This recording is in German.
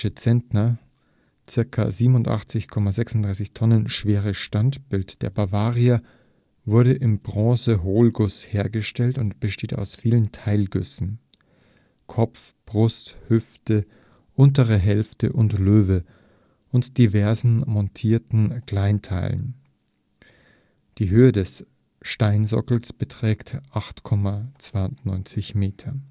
Zentner (ca. 87,36 Tonnen) schwere Standbild der Bavaria wurde im Bronzehohlguss hergestellt und besteht aus vier Teilgüssen (Kopf, Brust, Hüfte, untere Hälfte und Löwe) und diversen montierten Kleinteilen. Die Höhe des Steinsockels beträgt 8,92 Meter